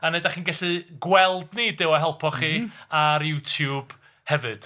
Neu dach chi'n gallu gweld ni, Duw a helpo chi, ar YouTube hefyd.